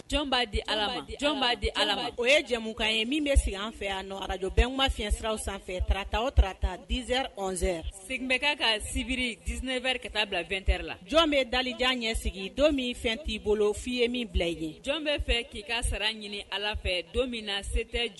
'a di jɔn'a di ala o yemu kan ye min bɛ sigi an fɛ yan arajo bɛnma fisiraraw sanfɛ tarata o tata dz segin bɛ ka ka sibiri ds wɛrɛɛrɛ ka taa bila2te la jɔn bɛ dalijan ɲɛ sigi don min fɛn t'i bolo f'i ye min bila i ye jɔn bɛ fɛ k'i ka sara ɲini ala fɛ don min na se tɛ